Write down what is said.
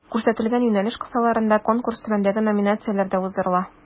Күрсәтелгән юнәлеш кысаларында Конкурс түбәндәге номинацияләрдә уздырыла: